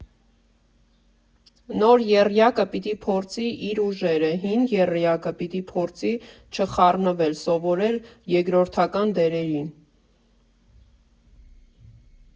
Նոր եռյակը պիտի փորձի իր ուժերը, հին եռյակը պիտի փորձի չխառնվել, սովորել երկրորդական դերերին։